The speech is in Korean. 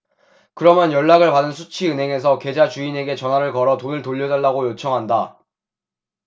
그러면 연락을 받은 수취 은행에서 계좌 주인에게 전화를 걸어 돈을 돌려 달라고 요청한다